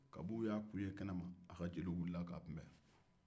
kabi u y'a kun ye kɛnɛ ma a ka jeliw wulila k'a kunbɛn